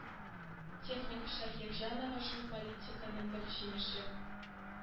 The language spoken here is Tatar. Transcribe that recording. Техник шакирҗанова шул политиканың бер җимеше